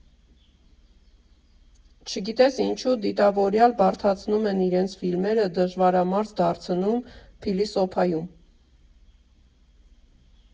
Չգիտես ինչու, դիտավորյալ բարդացնում են իրենց ֆիլմերը, դժվարամարս դարձնում, փիլիսոփայում։